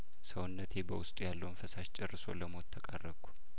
ሰውነቴ በውስጡ ያለውን ፈሳሽ ጨርሶ ለሞት ተቃረብኩ